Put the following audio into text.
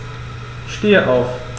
Ich stehe auf.